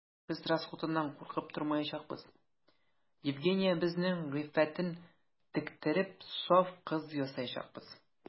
Без расхутыннан куркып тормаячакбыз: Евгениябезнең гыйффәтен тектереп, саф кыз ясаячакбыз.